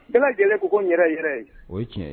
Bɛɛ lajɛlen k ko ko n yɛrɛ yɛrɛ ye o ye tiɲɛ ye